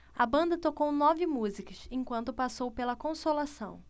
a banda tocou nove músicas enquanto passou pela consolação